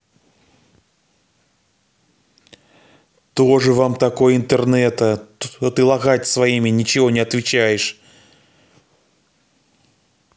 тоже вам такой интернета то ты лагать своими ничего не отвечаешь